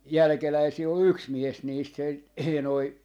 jälkeläisiä oli yksi mies niistä se ei noin